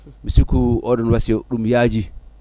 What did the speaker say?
mi sikku oɗon wasiya ɗum yaaji